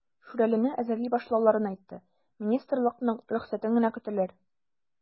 "шүрәле"не әзерли башлауларын әйтте, министрлыкның рөхсәтен генә көтәләр.